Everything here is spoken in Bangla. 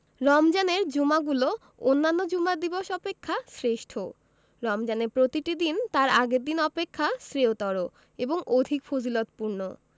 রমজানের জুমাগুলো অন্যান্য জুমার দিবস অপেক্ষা শ্রেষ্ঠ রমজানের প্রতিটি দিন তার আগের দিন অপেক্ষা শ্রেয়তর এবং অধিক ফজিলতপূর্ণ